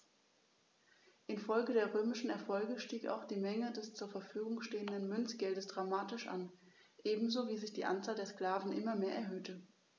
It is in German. Infolge der römischen Erfolge stieg auch die Menge des zur Verfügung stehenden Münzgeldes dramatisch an, ebenso wie sich die Anzahl der Sklaven immer mehr erhöhte.